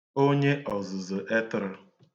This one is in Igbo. onye ọzə̣zə̣ etə̣rə̣̄